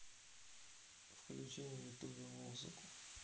включи на ютубе музыку